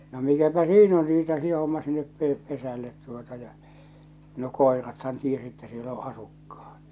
no mikäpä siinä on riita siinä hommassa niin että - pesälle tuota ja no koirathan tiesi että siellä on asukkaat